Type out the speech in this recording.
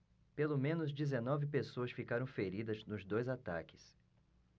pelo menos dezenove pessoas ficaram feridas nos dois ataques